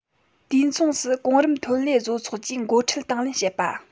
དུས མཚུངས སུ གོང རིམ ཐོན ལས བཟོ ཚོགས ཀྱིས འགོ ཁྲིད དང ལེན བྱེད པ